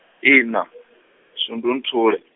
ina , shundunthule.